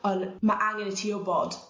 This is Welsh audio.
on' ma' angen i ti wbod